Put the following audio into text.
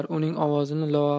uning ovozini